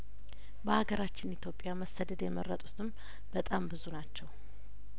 በሀገራችን ኢትዮጵያ መሰደድ የመረጡትም በጣም ብዙ ናቸው